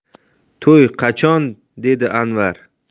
to'y qachon dedi anvar